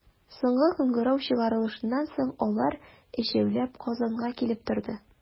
Соңгы кыңгырау чыгарылышыннан соң, алар, өчәүләп, Казанга килеп торды.